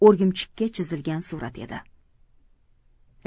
o'rgimchikka chizilgan surat edi